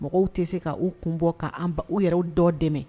Mɔgɔw tɛ se ka u kun bɔ k'an u yɛrɛ dɔ dɛmɛ.